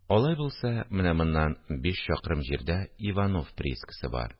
– алай булса, менә моннан биш чакрым җирдә иванов приискасы бар